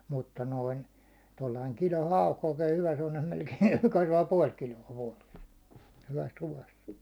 mutta noin tuolla lailla kilon hauki oikein hyvä semmoinen melkein kasvaa puoli kiloa vuodessa hyvässä ruuassa